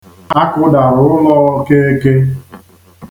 A kụdara ụlọ Okeke.